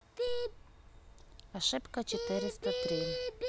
ошибка четыреста три